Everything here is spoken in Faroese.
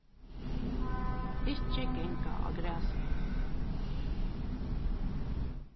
ikki ganga á grasinum